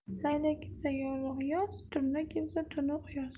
laylak kelsa yorug' yoz turna kelsa tunuq yoz